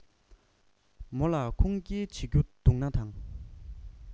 མོ ལ ཁུངས སྐྱེལ བྱེད རྒྱུ འདུག ན དང